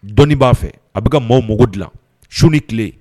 Dɔnni ba fɛ a bi ka maaw mako dilan su ni kile